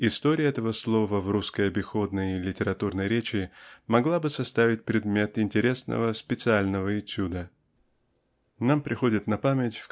История этого слова в русской обиходной и литературной речи могла бы составить предмет интересного специального этюда. Нам приходит на память